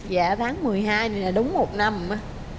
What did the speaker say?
dạ tháng mười hai này là đúng một năm